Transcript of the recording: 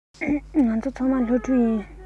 ང ཚོ ཚང མ སློབ ཕྲུག ཡིན